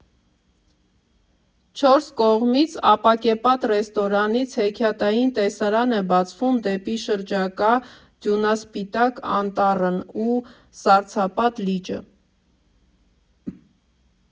Չորս կողմից ապակեպատ ռեստորանից հեքիաթային տեսարան է բացվում դեպի շրջակա ձյունասպիտակ անտառն ու սառցապատ լիճը։